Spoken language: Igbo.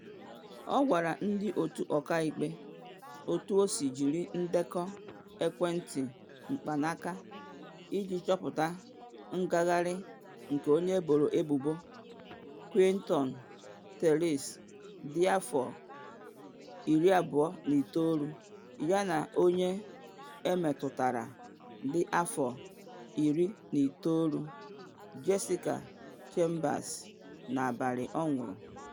Ọ gwara ndị otu ọkaikpe otu o si jiri ndekọ ekwentị mkpanaka iji chọpụta ngagharị nke onye eboro ebubo Quinton Tellis dị afọ 29 yana onye emetụtara dị afọ 19, Jessica Chambers, n’abalị ọ nwụrụ.